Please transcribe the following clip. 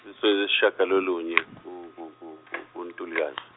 lesishagalolunye ku- ku- ku- ku- kuNtulikazi.